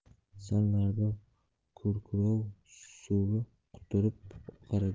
sal narida gurkurov suvi quturib oqar edi